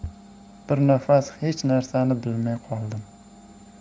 bir nafas hech narsani bilmay qoldim